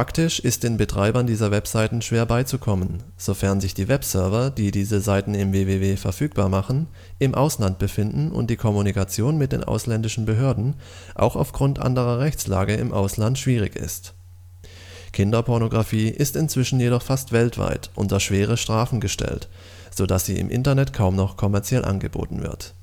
Praktisch ist den Betreibern dieser Webseiten schwer beizukommen, sofern sich die Webserver, die diese Seiten im WWW verfügbar machen, im Ausland befinden und die Kommunikation mit den ausländischen Behörden auch aufgrund anderer Rechtslage im Ausland schwierig ist. Kinderpornografie ist inzwischen jedoch fast weltweit unter schwere Strafen gestellt, sodass sie im Internet kaum noch kommerziell angeboten wird